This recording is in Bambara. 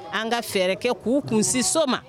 An ka fɛɛrɛ kɛ k'u kun si so ma.